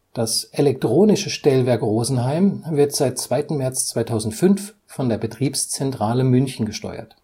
Das elektronische Stellwerk Rosenheim wird seit 2. März 2005 von der Betriebszentrale München gesteuert